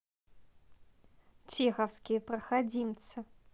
чеховские проходимцы